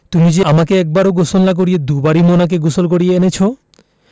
তুমি যে আমাকে একবারও গোসল না করিয়ে দুবারই মোনাকে গোসল করিয়ে এনেছো